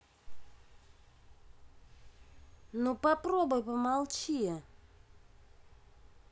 ну попробуй помолчи